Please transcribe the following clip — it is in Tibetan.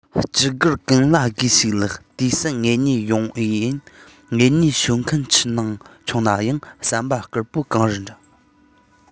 སྤྱི སྒེར ཀུན ལ དགེ ཞིང ལེགས དེ བསམ ངེད གཉིས ཡོང ལེ ཡིན ངེད གཉིས ཤོད མཁན ཆུང ན ཡང བསམ པ དཀར པོ གངས རི འདྲ